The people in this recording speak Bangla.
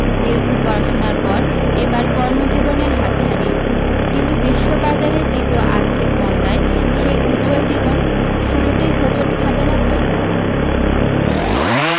দীর্ঘ পড়াশোনার পর এবার কর্মজীবনের হাতছানি কিন্তু বিশ্ব বাজারে তীব্র আর্থিক মন্দায় সেই উজ্জ্বল জীবন শুরুতেই হোঁচট খাবে না তো